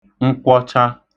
nkwọcha